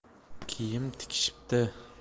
kiyim tikishibdi